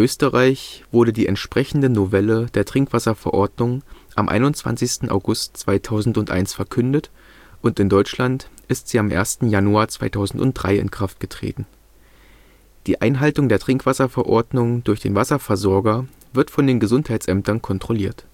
Österreich wurde die entsprechende Novelle der Trinkwasserverordnung am 21. August 2001 verkündet und in Deutschland ist sie am 1. Januar 2003 in Kraft getreten. Die Einhaltung der Trinkwasserverordnung durch den Wasserversorger wird von den Gesundheitsämtern kontrolliert